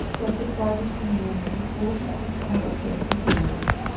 só se pode ser membro do clube enquanto se é solteiro